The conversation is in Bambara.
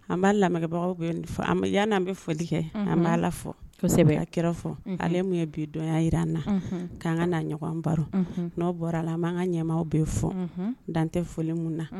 An ban lamɛnbagaw bɛɛ fo. Yanan bi foli kɛ Unhun, an bi Ala fɔ kosɛbɛ ka kira fɔ. Ale min ye bi donya yira an na . Kan ka na ɲɔgɔn baro. No bɔra la, an ban ka ɲɛmɔgɔw bɛɛ fɔ dan tɛ foli min na.